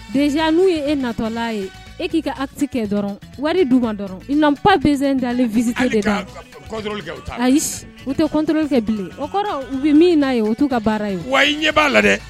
Dez n'u ye ee natɔla ye e k'i ka akisi kɛ dɔrɔn wari du dɔrɔn nap bɛ dalen vte de kan ayi u tɛt kɛ bilen o kɔrɔ u bɛ min n'a ye u t'u ka baara ye wa ɲɛ b'a la dɛ